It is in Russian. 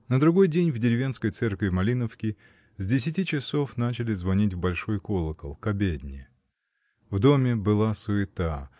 На другой день в деревенской церкви Малиновки с десяти часов начали звонить в большой колокол, к обедне. В доме была суета.